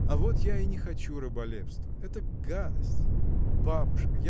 — А вот я и не хочу раболепства — это гадость! Бабушка!